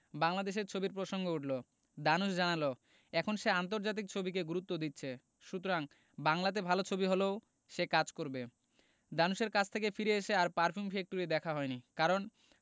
বাংলাদেশের ছবির প্রসঙ্গ উঠলো ধানুশ জানালো এখন সে আন্তর্জাতিক ছবিকে গুরুত্ব দিচ্ছে সুতরাং বাংলাতে ভালো ছবি হলেও সে কাজ করবে ধানুশের কাছে থেকে ফিরে এসে আর পারফিউম ফ্যাক্টরি দেখা হয়নি কারণ